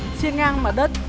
xiên ngang mặt đất